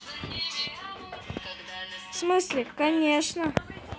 в смысле конечно